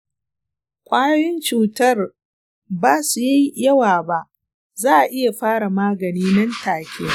kwayoyin cutar ba su yi yawa ba, za a iya fara magani nan take.